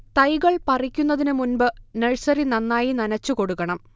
തൈകൾ പറിക്കുന്നതിന് മുൻപ് നഴ്സറി നന്നായി നനച്ചുകൊടുക്കണം